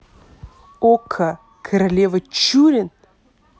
okko королева чурин